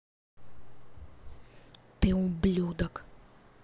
ты ублюдок